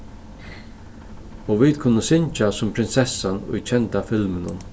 og vit kunnu syngja sum prinsessan í kenda filminum